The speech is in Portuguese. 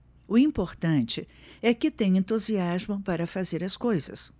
o importante é que tenho entusiasmo para fazer as coisas